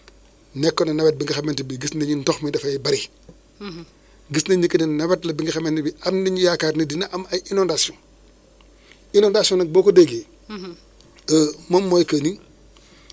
xam nga mooy chaque 10 jours chaque décate moom dina mun jël en tout cas matuwaayam yi mun a en tout cas analyser risque yi pour def attention xool yan stratégies lay lay développer xam nga yooyu souvent donc ñun yooyu la ñuy kii quoi